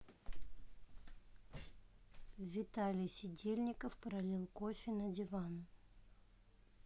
виталий сидельников пролил кофе на диван